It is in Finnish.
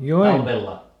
talvella